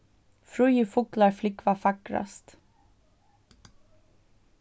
fríðir fuglar flúgva fagrast